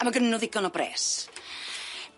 A ma' gynnyn n'w ddigon o bres.